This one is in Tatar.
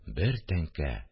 – бер тәңкә